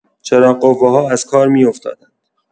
چراغ‌قوه‌ها از کار می‌افتادند.